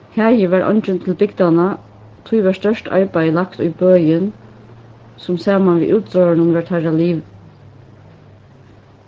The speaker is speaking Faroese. hagi var eingin til bygdanna tí var stórt arbeiði lagt í bøin sum saman við útróðrinum var teirra